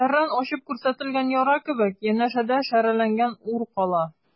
Шәрран ачып күрсәтелгән яра кебек, янәшәдә шәрәләнгән ур кала.